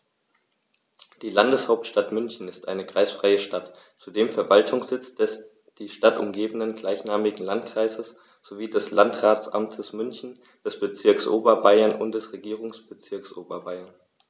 Die Landeshauptstadt München ist eine kreisfreie Stadt, zudem Verwaltungssitz des die Stadt umgebenden gleichnamigen Landkreises sowie des Landratsamtes München, des Bezirks Oberbayern und des Regierungsbezirks Oberbayern.